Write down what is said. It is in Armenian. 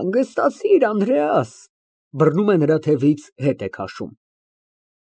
Հանգստացիր, Անդրեաս… (Բռնում է նրա թևից, հետ է քաշում)։